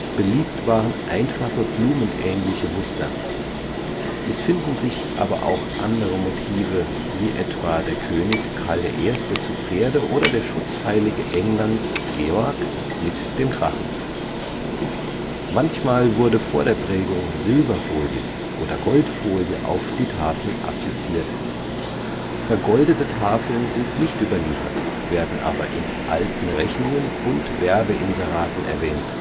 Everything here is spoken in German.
Beliebt waren einfache blumenähnliche Muster. Es finden sich aber auch andere Motive, wie etwa der König Karl I. zu Pferde oder der Schutzheilige Englands, Georg, mit dem Drachen. Manchmal wurde vor der Prägung Silber - oder Goldfolie auf die Tafel appliziert. Vergoldete Tafeln sind nicht überliefert, werden aber in alten Rechnungen und Werbeinseraten erwähnt